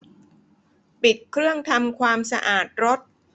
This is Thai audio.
ปิดเครื่องทำความสะอาดรถ